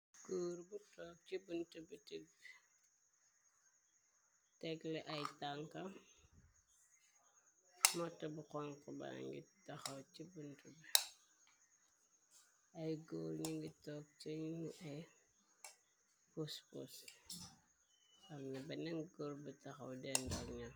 Grci buntu bi tegle ay tanka mota bu xonxba ngi taxaw ci bn bi ay góor ñi ngi toog cenu a pospos amna benen góor bu taxaw dendalña.